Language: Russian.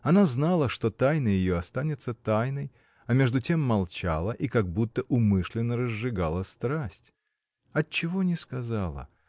Она знала, что тайна ее останется тайной, а между тем молчала и как будто умышленно разжигала страсть. Отчего не сказала?